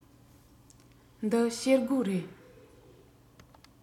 འདི ཤེལ སྒོ རེད